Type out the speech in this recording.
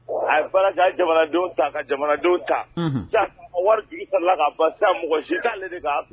A ye bala jamanadenw ta ka jamanadenw ta o wari dugu sɔrɔla ka ba mɔgɔ si t ale de kan